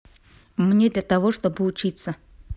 мне для того чтобы учиться